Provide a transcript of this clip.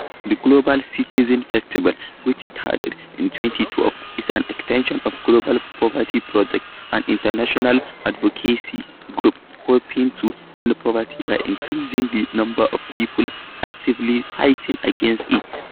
The Global Citizen Festival, which stated in 2012, is an extension of the Global Poverty Project, an international advocacy group hoping to end poverty by increasing the number of people actively fighting against it.